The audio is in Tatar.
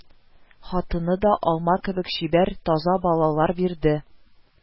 Хатыны да алма кебек чибәр, таза балалар бирде